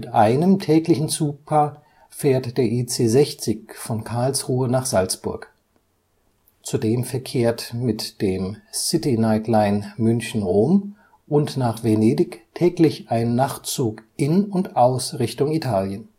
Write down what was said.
einem täglichen Zugpaar fährt der IC 60 von Karlsruhe nach Salzburg. Zudem verkehrt mit dem City Night Line München - Rom und nach Venedig täglich ein Nachtzug in und aus Richtung Italien